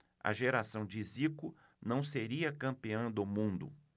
a geração de zico não seria campeã do mundo